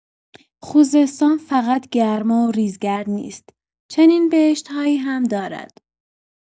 خوزستان فقط گرما و ریزگرد نیست، چنین بهشت‌هایی هم دارد.